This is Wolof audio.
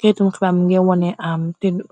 xeytum xibaar mu nge wone am teddu.